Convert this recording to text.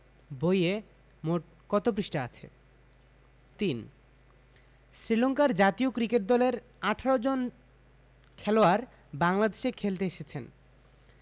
বইয়ে মোট কত পৃষ্ঠা আছে ৩ শ্রীলংকার জাতীয় ক্রিকেট দলের ১৮ জন খেলোয়াড় বাংলাদেশে খেলতে এসেছেন